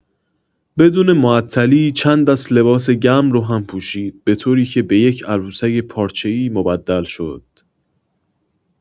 بدون معطلی چند دست لباس گرم روی‌هم پوشید، به‌طوری‌که به یک عروسک پارچه‌ای مبدل شد.